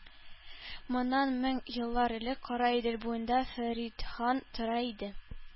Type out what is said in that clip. Моннан мең еллар элек Кара Идел буенда Фәрит хан тора иде.